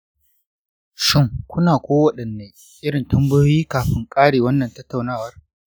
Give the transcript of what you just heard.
shin ku na kowaɗanne irin tambayoyi kafin ƙare wannan tattaunawar?